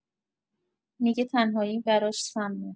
می‌گه تنهایی براش سمه.